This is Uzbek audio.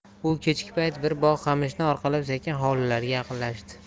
u kechki payt bir bog' qamishni orqalab sekin hovlilariga yaqinlashdi